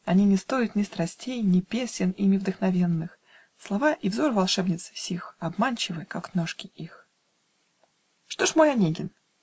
Они не стоят ни страстей, Ни песен, ими вдохновенных: Слова и взор волшебниц сих Обманчивы. как ножки их. Что ж мой Онегин?